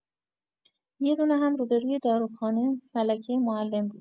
یدونه هم روبروی داروخانه فلکه معلم بود.